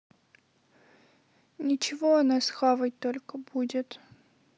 ничего она схавать только будет